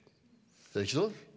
er det ikke sånn?